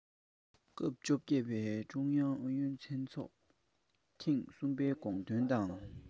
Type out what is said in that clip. སྐབས བཅོ བརྒྱད པའི ཀྲུང ཨུ ཚང འཛོམས གྲོས ཚོགས ཐེངས གསུམ པའི དགོངས དོན དང